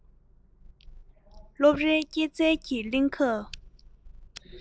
སློབ རའི སྐྱེད ཚལ གྱི གླིང ག